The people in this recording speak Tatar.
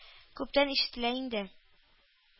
Күптән ишетелә инде.